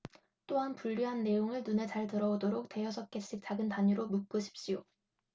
또한 분류한 내용을 눈에 잘 들어오도록 대여섯 개씩 작은 단위로 묶으십시오